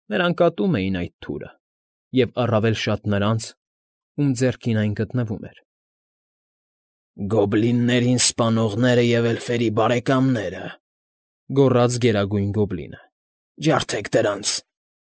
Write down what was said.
Նրանք ատում էին այդ թուրը և առավել շատ նրանց, ում ձեռքին այն գտնվում էր։ ֊ Գոբլիններին սպանողները և էլֆերի բարեկամները,֊ գոռաց Գերագույն Գոբլինը։֊ Ջարդեք դրանց։